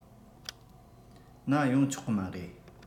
ན ཡོང ཆོག གི མ རེད